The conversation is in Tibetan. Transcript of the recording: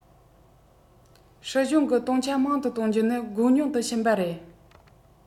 སྲིད གཞུང གི གཏོང ཆ མང དུ གཏོང རྒྱུ ནི དགོས ཉུང དུ ཕྱིན པ རེད